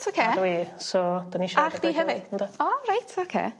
oce. A dwi so 'dan ni siarad... A chdi hefyd o reit oce.